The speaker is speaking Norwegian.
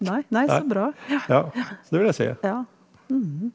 nei nei så bra ja ja ja .